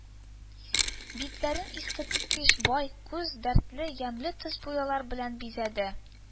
Битләрен искиткеч бай, куе, дәртле, ямьле төс-буяулар белән бизәде